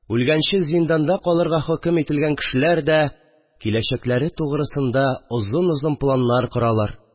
Үлгәнчә зинданда калырга хөкем ителгән кешеләр дә киләчәкләре тугрысында озын-озын планнар коралар